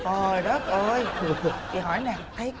trời đất ơi chị hỏi nè thấy